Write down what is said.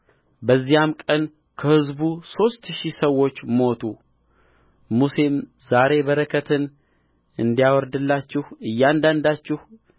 በዚያም ቀን ከሕዝቡ ሦስት ሺህ ሰዎች ሞቱ ሙሴም ዛሬ በረከትን እንዲያወርድላችሁ እያንዳንዳችሁ